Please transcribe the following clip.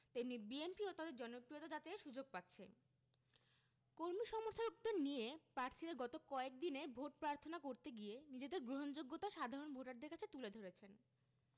তেমনি বিএনপিও তাদের জনপ্রিয়তা যাচাইয়ের সুযোগ পাচ্ছে কর্মী সমর্থকদের নিয়ে প্রার্থীরা গত কয়েক দিনে ভোট প্রার্থনা করতে গিয়ে নিজেদের গ্রহণযোগ্যতা সাধারণ ভোটারদের কাছে তুলে ধরেছেন